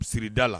Siri da la